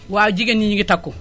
waaw jigéen ñi ñu ngi takku